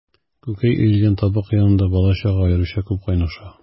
Күкәй өелгән табак янында бала-чага аеруча күп кайнаша.